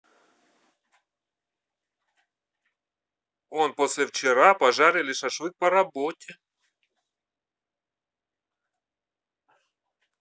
он послевчера пожарили шашлык по работе